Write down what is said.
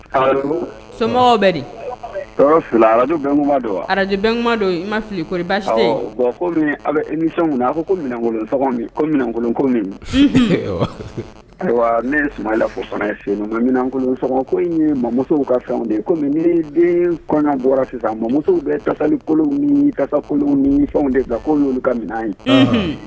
Ara so bɛ tɔɔrɔ fila arajbɛnkuma don araj don i ma fili koɔrise bɔn a bɛ isɔn a fɔ ko minɛnkolon ko minɛnkolon ko ayiwa ne suma fo fana sen minɛnankolon ko ye muso ka fɛn de ye kɔmi mɛ ni den kɔɲɔ bɔra sisan ma musow bɛ tasali kolo ni kolo ni fɛn de bila ko'olu ka minɛn ye